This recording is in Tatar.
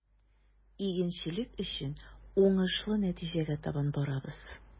Игенчелек өчен уңышлы нәтиҗәгә таба барабыз.